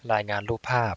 รายงานรูปภาพ